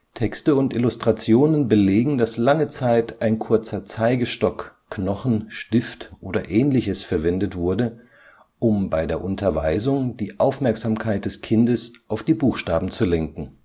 Texte und Illustrationen belegen, dass lange Zeit ein kurzer Zeigestock, Knochen, Stift oder ähnliches verwendet wurde, um bei der Unterweisung die Aufmerksamkeit des Kindes auf die Buchstaben zu lenken